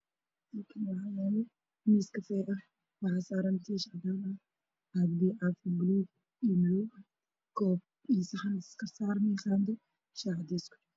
Gashaan waa miisa xasaaran koob cadaan oo ku jirta qaxo iyo biyo caafim ah oo yaalaan